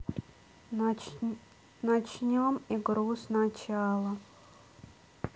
начнем игру сначала